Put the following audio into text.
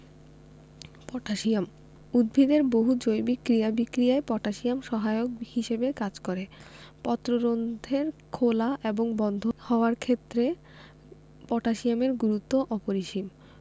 potassium উদ্ভিদের বহু জৈবিক ক্রিয়া বিক্রিয়ায় পটাশিয়াম সহায়ক হিসেবে কাজ করে পত্ররন্ধ্র খেলা এবং বন্ধ হওয়ার ক্ষেত্রে পটাশিয়ামের গুরুত্ব অপরিসীম